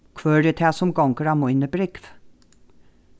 hvør er tað sum gongur á míni brúgv